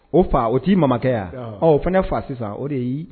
O fa o t'i makɛ yan o fana ne fa sisan o de ye